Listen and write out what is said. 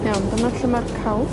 Iawn. Dyma lle ma'r caws.